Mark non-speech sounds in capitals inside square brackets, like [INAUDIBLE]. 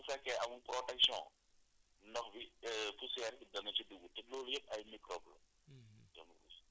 ndox bi su fekkee amul protection ndox bi [HESITATION] poussière bi dana si dugg te loolu yëpp ay microbes la